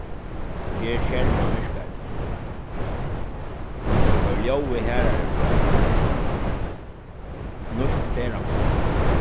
ger skermin myrkari koyr ljóðið harðari frá nýtt ferðamál